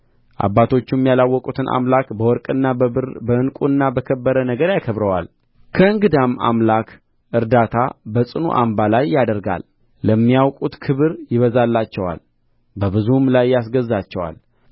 አባቶቹም ያላወቁትን አምላክ በወርቅና በብር በዕንቍና በከበረ ነገር ያከብረዋል በእንግዳም አምላክ እርዳታ በጽኑ አምባ ላይ ያደርጋል ለሚያውቁት ክብር ያበዛላቸዋል በብዙም ላይ ያስገዛቸዋል